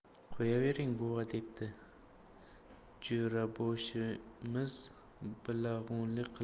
qo'yavering buva deydi jo'raboshimiz bilag'onlik qilib